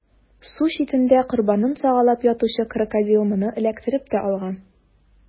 Су читендә корбанын сагалап ятучы Крокодил моны эләктереп тә алган.